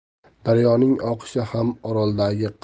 daryoning oqishi ham oroldagi qalin